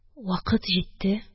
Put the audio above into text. Вакыт җитте